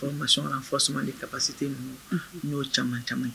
Formation la faussement de capacité ninnu unhun ɲ'olu caman-caman ye